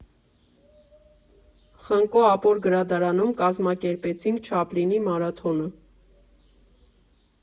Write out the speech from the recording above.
Խնկո Ապոր գրադարանում կազմակերպեցինք Չապլինի մարաթոնը։